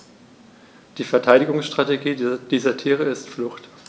Die Verteidigungsstrategie dieser Tiere ist Flucht.